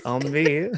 On me!